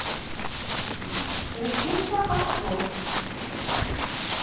лечиться овсом